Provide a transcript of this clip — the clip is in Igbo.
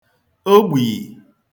ogbìì